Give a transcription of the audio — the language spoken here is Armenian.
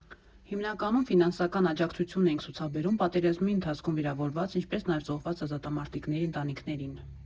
Հիմնականում ֆինանսական աջակցություն էինք ցուցաբերում պատերազմի ընթացքում վիրավորված, ինչպես նաև զոհված ազատամարտիկների ընտանիքներին։